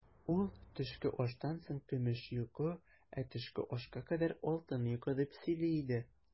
Ул, төшке аштан соң көмеш йокы, ә төшке ашка кадәр алтын йокы, дип сөйли иде.